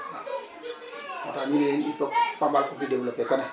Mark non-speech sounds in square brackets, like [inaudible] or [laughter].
waaw [crosstalk] moo tax ñu ne leen il faut que Pambal di développé quand même